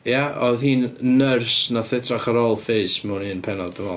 Ia, oedd hi'n nyrs nath edrach ar ôl Fizz mewn un pennod, dwi'n meddwl.